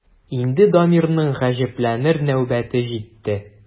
Инде Дамирның гаҗәпләнер нәүбәте җитте.